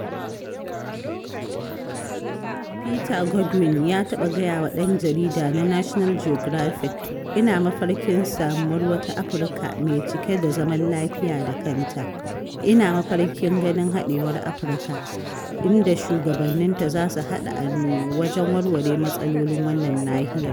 Peter Godwin, ya taɓa gayawa ɗan jarida na National Geographic,“Ina mafarkin samuwar wata Afirka mai cike da zaman lafiya da kanta... Ina mafarkin ganin haɗewar Afirka, inda shugabanninta zasu haɗa hannu wajen warware matsalolin wannan nahiyar."